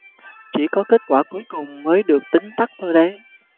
chỉ có kết quả cuối cùng mới được tính tắt thôi đấy